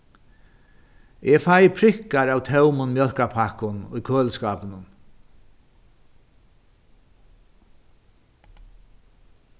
eg fái prikkar av tómum mjólkarpakkum í køliskápinum